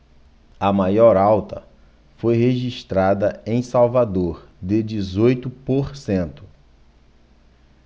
a maior alta foi registrada em salvador de dezoito por cento